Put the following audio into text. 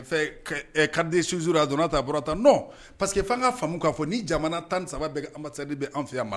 Kariden su a donna taa bɔra tan nɔ pa parce que k' an ka faamumu k'a fɔ ni jamana tan ni saba bɛ ansadi bɛ an fɛya ma